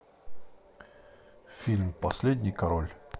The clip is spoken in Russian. фильм последний король